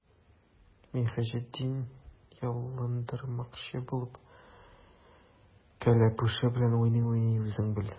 Минһаҗетдин, ялындырмакчы булып, кәләпүше белән уйный-уйный:— Үзең бел!